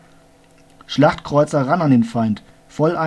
Schlachtkreuzer ran an den Feind, voll einsetzen